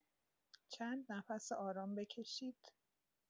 چند نفس آرام بکشید.